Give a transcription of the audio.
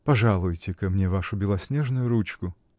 пожалуйте-ка мне вашу белоснежную ручку.